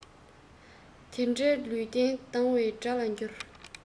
དེ འདྲའི ལུས རྟེན སྡང བའི དགྲ ལ འགྱུར